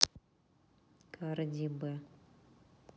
cardi b